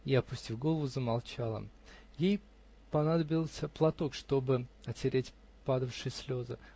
И, опустив голову, замолчала Ей понадобился платок, чтобы отереть падавшие слезы